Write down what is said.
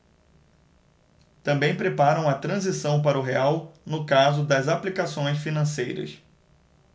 também preparam a transição para o real no caso das aplicações financeiras